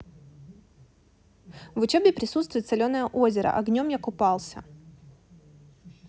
в учебе присутствует соленое озеро огнем я купался